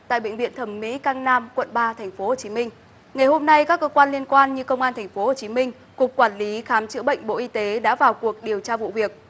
tại bệnh viện thẩm mỹ kang nam quận ba thành phố hồ chí minh ngày hôm nay các cơ quan liên quan như công an thành phố hồ chí minh cục quản lý khám chữa bệnh bộ y tế đã vào cuộc điều tra vụ việc